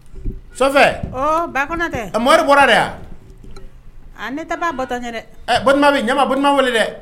Sɔfɛ, oo ba Kɔnatɛ, Mohamed bɔra de ? Aa ne m'a bɔ tɔ yen , ɛɛ Batɔma dun, Batɔma wele n ye dɛ